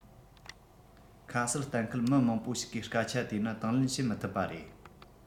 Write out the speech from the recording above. ཁ གསལ གཏན འཁེལ མི མང པོ ཞིག གིས སྐད ཆ དེ ནི དང ལེན བྱེད མི ཐུབ པ རེད